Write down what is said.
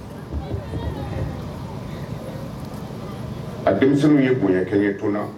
A denmisɛnw ye bonya kɛ ye Tona